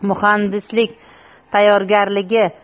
muhandislik tayyorgarligi